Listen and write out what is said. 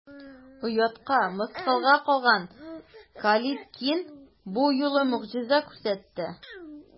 Оятка, мыскылга калган Калиткин бу юлы могҗиза күрсәтте.